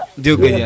jokoljal